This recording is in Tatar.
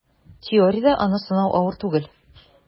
Теориядә аны санау авыр түгел: